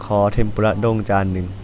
ขอเทมปุระด้งจานหนึ่ง